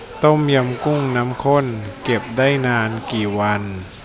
ต้มยำกุ้งน้ำข้นเก็บได้นานกี่วัน